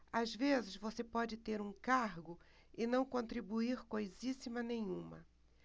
às vezes você pode ter um cargo e não contribuir coisíssima nenhuma